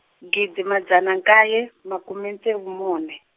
gidi madzana nkaye makume ntsevu mune.